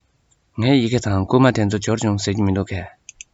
ངའི ཡི གེ དང བསྐུར མ དེ ཚོ འབྱོར བྱུང ཟེར གྱི མི འདུག གས